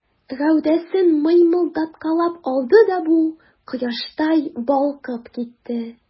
Гәүдәсен мыймылдаткалап алды да бу, кояштай балкып китте.